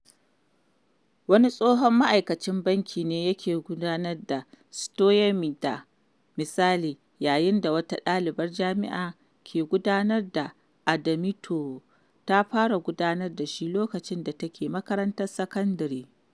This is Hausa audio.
Wani tsohon ma’aikacin banki ne yake gudanar da Citoyen Hmida, misali; yayin da wata ɗalibar jami’a ke gudanar da Adamito (ta fara gudanar da shi lokacin da take makarantar sakandare).